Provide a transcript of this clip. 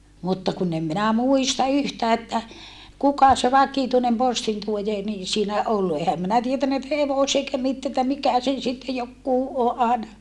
mutta kun en minä muista yhtään että kuka se vakituinen postintuoja niin siinä ollut enhän minä tiennyt että - eikä - että mikä sen sitten joku - aina